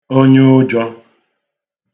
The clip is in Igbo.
onyeụjō